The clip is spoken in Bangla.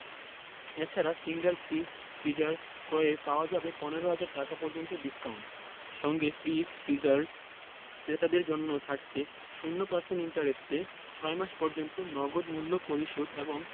এ ছাড়া সিঙ্গার ফ্রিজ/ফ্রিজার ক্রয়ে পাওয়া যাবে ১৫ ০০০ টাকা পর্যন্ত ডিসকাউন্ট সঙ্গে ফ্রিজ/ফ্রিজার ক্রেতাদের জন্য থাকছে ০% ইন্টারেস্টে ৬ মাস পর্যন্ত নগদ মূল্য পরিশোধ এবং